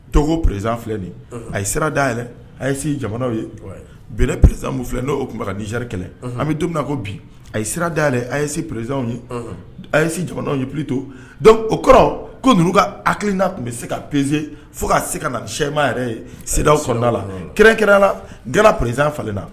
Togo pereresisanan filɛ a ye sira dayɛlɛn a yese jamanaw ye blɛ peresisan fɛ n'o tun kasɛri kɛlɛ an bɛ don ko bi a ye sira dayɛlɛn a yese pererez yese jamana ye p to dɔnku o kɔrɔ ko ka akiina tun bɛ se ka perezsee fo k kaa se ka na sɛma yɛrɛ ye sew fa la kerɛnkɛ la g pererezsan falen na